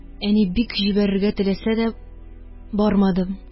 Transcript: Әни бик җибәрергә теләсә дә, бармадым